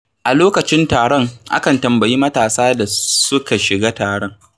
A lokacin taron, akan tambayi matasan da suka shiga taron: